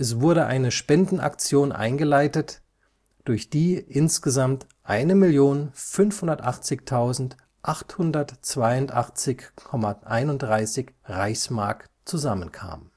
wurde eine Spendenaktion eingeleitet, durch die insgesamt 1.580.882,31 Reichsmark zusammenkamen